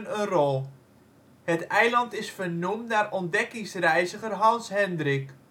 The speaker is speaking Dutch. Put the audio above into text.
rol. Het eiland is vernoemd naar ontdekkingsreiziger Hans Hendrik